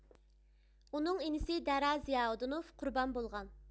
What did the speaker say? ئۇنىڭ ئىنىسى دەرا زىياۋۇدۇنۇف قۇربان بولغان